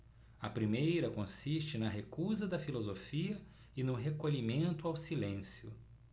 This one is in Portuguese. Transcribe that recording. a primeira consiste na recusa da filosofia e no recolhimento ao silêncio